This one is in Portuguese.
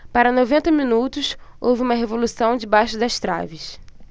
para noventa minutos houve uma revolução debaixo das traves